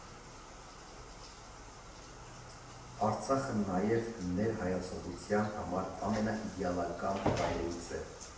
Արցախը նաև ներհայեցողության համար ամենաիդեալական վայրերից է։